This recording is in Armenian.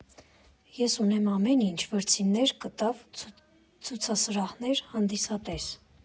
Ես ունեմ ամեն ինչ՝ վրձիններ, կտավ, ցուցասրահներ, հանդիսատես։